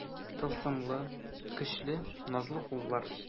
Тылсымлы, көчле, назлы куллар.